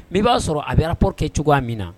Min b'a sɔrɔ a bɛ ppoke cogoya min na